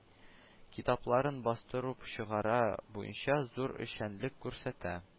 Китапларын бастырып чыгару буенча зур эшчәнлек күрсәтә